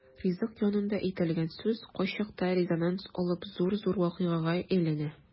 Ризык янында әйтелгән сүз кайчакта резонанс алып зур-зур вакыйгага әйләнә.